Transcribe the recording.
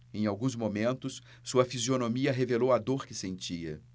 em alguns momentos sua fisionomia revelou a dor que sentia